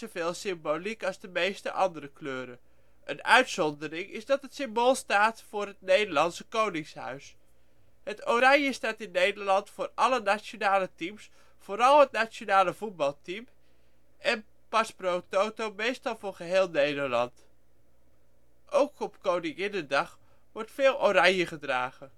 veel symboliek als de meeste andere kleuren. Een uitzondering is dat het symbool staat voor het Nederlandse koningshuis. Het oranje staat in Nederland voor alle nationale teams, vooral het nationale voetbalteam, en pars pro toto veelal voor geheel Nederland. Ook op Koninginnedag wordt veel oranje gedragen